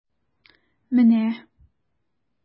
Менә...